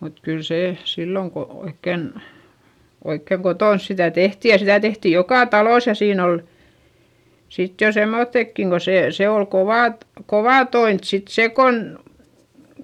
mutta kyllä se silloin kun oikein oikein kotona sitä tehtiin ja sitä tehtiin joka talossa ja siinä oli sitten jo semmoisetkin kun se se oli kovaa - kovaa tointa sitten se kun